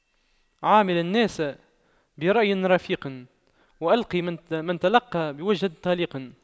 عامل الناس برأي رفيق والق من تلقى بوجه طليق